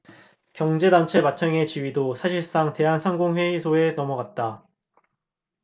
경제단체 맏형의 지위도 사실상 대한상공회의소에 넘어갔다